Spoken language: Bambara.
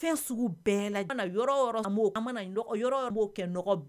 Fɛn sugu bɛɛ la yɔrɔ yɔrɔ yɔrɔ'o kɛ